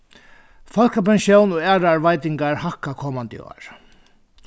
fólkapensjón og aðrar veitingar hækka komandi ár